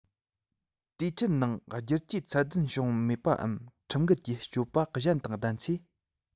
དུས ཆད ནང སྒྱུར བཅོས ཚད ལྡན བྱུང མེད པའམ ཁྲིམས འགལ གྱི སྤྱོད པ གཞན དང ལྡན ཚེ